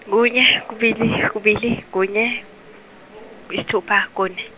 kunye kubili kubili kunye, isithupa kune.